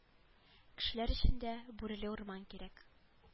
Кешеләр өчен дә бүреле урман кирәк